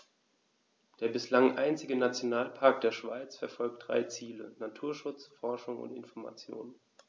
Der bislang einzige Nationalpark der Schweiz verfolgt drei Ziele: Naturschutz, Forschung und Information.